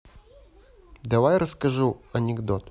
давай тебе расскажу анекдот